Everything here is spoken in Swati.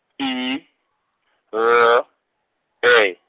I L E.